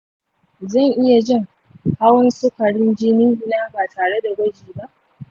zan iya jin hawan sukarin jini na ba tare da gwaji ba?